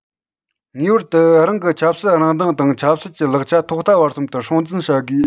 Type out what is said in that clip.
ངེས པར དུ རང གི ཆབ སྲིད རང མདངས དང ཆབ སྲིད ཀྱི ལེགས ཆ ཐོག མཐའ བར གསུམ དུ སྲུང འཛིན བྱ དགོས